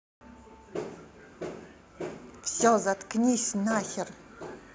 все заткнись нахер